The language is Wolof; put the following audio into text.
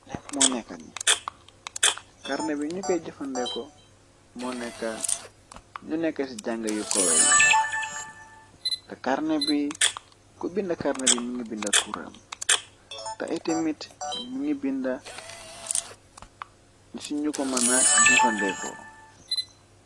Karmeh bi ñukoy jëfandeko moo nekkaa ñyu nekk ci jànga yu koweh yi te kàrmeh bi ku bindi karmeh bi mugi binda turam te yeh tamit migi binda SI nyu ko muna jëfandeko.